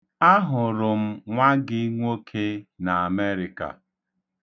Ahụrụ m nwa gị nwoke n'Amerịka.